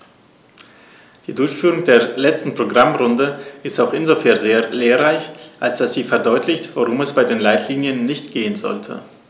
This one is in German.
Die Durchführung der letzten Programmrunde ist auch insofern sehr lehrreich, als dass sie verdeutlicht, worum es bei den Leitlinien nicht gehen sollte.